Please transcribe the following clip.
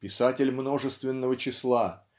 Писатель множественного числа